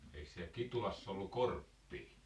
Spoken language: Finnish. eikö siellä Kitulassa ollut Korppeja